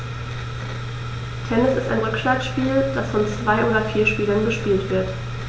Tennis ist ein Rückschlagspiel, das von zwei oder vier Spielern gespielt wird.